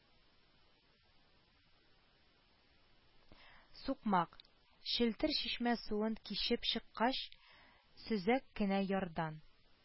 Сукмак, челтер чишмә суын кичеп чыккач, сөзәк кенә ярдан